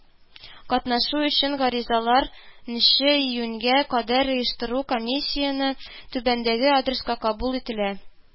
Катнашу өчен гаризалар нче июньгә кадәр оештыру комиссиясенә түбәндәге адреска кабул ителә: